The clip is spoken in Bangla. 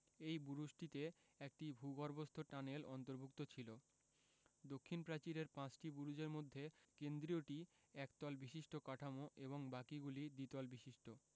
এই বুরুজটিতে একটি ভূগর্ভস্থ টানেল অন্তর্ভুক্ত ছিল দক্ষিণ প্রাচীরের পাঁচটি বুরুজের মধ্যে কেন্দ্রীয়টি একতল বিশিষ্ট কাঠামো এবং বাকিগুলি দ্বিতল বিশিষ্ট